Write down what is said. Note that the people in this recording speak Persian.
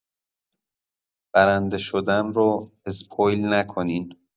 برنده شدن رو اسپویل نکنین!